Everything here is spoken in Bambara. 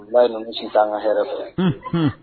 Bilahi ninnu si t'an ŋa hɛrɛ fɛ unhun